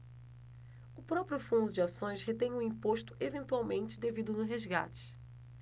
o próprio fundo de ações retém o imposto eventualmente devido no resgate